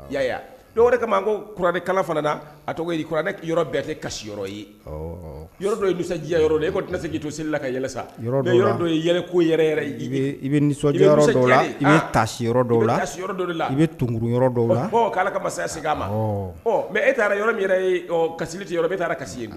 Yaa dɔw de kama ko kuranɛ kala fana a tɔgɔ kuranɛ bɛɛtɛ kasiyɔrɔ ye yɔrɔ yeji yɔrɔ i ko tise to seli la ka yɛlɛ sa yɔrɔ yɔrɔ yɛlɛ ko yɛrɛ ye i bɛ nisɔn la ta si la a si dɔ la i bɛ tkuruurun yɔrɔ dɔw la' ala ka masaya segin a ma mɛ e taara yɔrɔ min kasiti yɔrɔ e taa kasi ye